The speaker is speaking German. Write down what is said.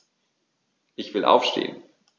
Ich will aufstehen.